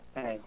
eeyi